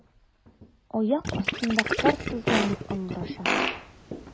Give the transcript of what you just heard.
Аяк астында кар сызланып ыңгыраша.